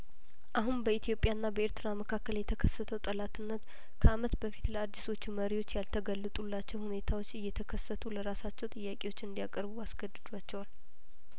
አሁን በኢትዮጵያ ና በኤርትራ መካከል የተከሰተው ጠላትነት ከአመት በፊት ለአዲሶቹ መሪዎች ያልተገለጡላቸው ሁኔታዎች እየተከሰቱ ለራሳቸው ጥያቄዎችን እንዲ ያቀርቡ አስገድዷቸዋል